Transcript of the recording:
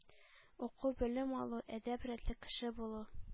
Уку, белем алу, адәм рәтле кеше булу.